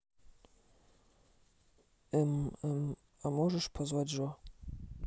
эм эм а можешь позвать жо